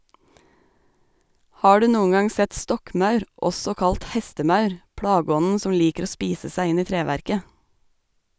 Har du noen gang sett stokkmaur, også kalt hestemaur , plageånden som liker å spise seg inn i treverket?